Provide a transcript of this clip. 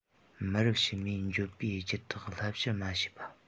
མི རབས ཕྱི མས འགྱོད པའི རྒྱུ དག བསླབ བྱར མ བྱས པ